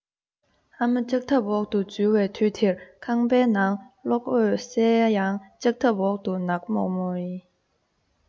ཨ མ ལྕགས ཐབ འོག ཏུ འཛུལ བའི དུས དེར ཁང པའི ནང གློག འོད གསལ ཡང ལྕགས ཐབ འོག ཏུ ནག མོག མོག ཡིན